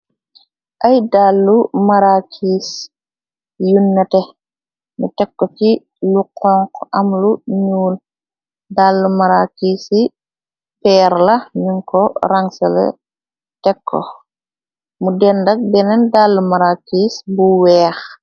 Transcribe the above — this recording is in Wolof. Ay dallu marakis yunate nu tekko ci lu xonk amlu nuul dallu maraki ci peer la nuñ ko rangsele tekko mu dendak beneen dallu marakis bu weex.